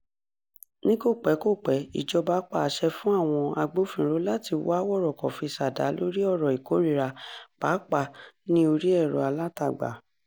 Ní kò pẹ́ kò pẹ́, ìjọba pa àṣẹ fún àwọn agbófinró láti "wá wọ̀rọ̀kọ̀ fi ṣ'àdá lórí ọ̀rọ̀ ìkórìíra, pàápàá ní orí ẹ̀rọ-alátagbà".